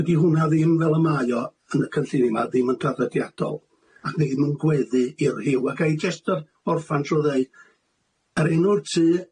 Dydi hwnna ddim fel y mae o yn y cynllunia' 'ma ddim yn draddodiadol ac ddim yn gweddu i'r Rhiw ag a ga'i jyst orffan drw' ddeud, yr enw'r tŷ